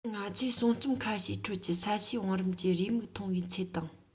ང ཚོས གསུང རྩོམ ཁ ཤས ཁྲོད ཀྱི ས གཤིས བང རིམ གྱི རེའུ མིག མཐོང བའི ཚེ དང